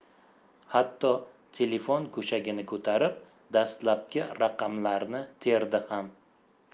hatto telefon go'shagini ko'tarib dastlabki raqamlarni terdi ham